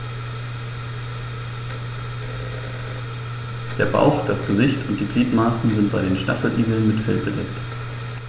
Der Bauch, das Gesicht und die Gliedmaßen sind bei den Stacheligeln mit Fell bedeckt.